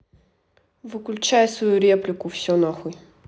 выключай свою реплику все нахуй